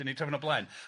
'Dan ni traf 'wn o blaen.